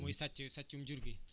muy sàcc sàccum jur gi